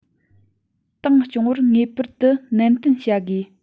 ཏང སྐྱོང བར ངེས པར དུ ནན སྐྱོང བྱ དགོས